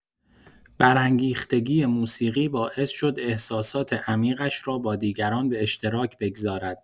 برانگیختگی موسیقی باعث شد احساسات عمیقش را با دیگران به اشتراک بگذارد.